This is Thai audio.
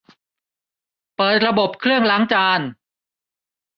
เปิดระบบเครื่องล้างจาน